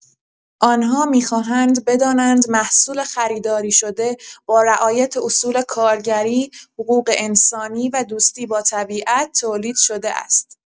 آن‌ها می‌خواهند بدانند محصول خریداری‌شده با رعایت اصول کارگری، حقوق انسانی و دوستی با طبیعت تولید شده است.